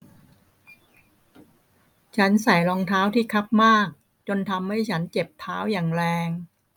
ฉันใส่รองเท้าที่คับมากจนทำให้ฉันเจ็บเท้าอย่างแรง